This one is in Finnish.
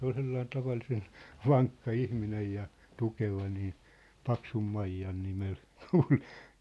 se oli sellainen tavallisen vankka ihminen ja tukeva niin Paksunmaijan nimellä kulki